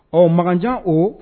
Ɔ makanjan o